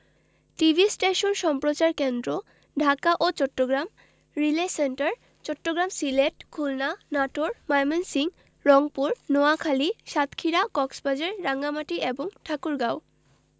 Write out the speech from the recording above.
TV station সম্প্রচার কেন্দ্রঃ ঢাকা ও চট্টগ্রাম রিলে সেন্টার চট্টগ্রাম সিলেট খুলনা নাটোর ময়মনসিংহ রংপুর নোয়াখালী সাতক্ষীরা কক্সবাজার রাঙ্গামাটি এবং ঠাকুরগাঁও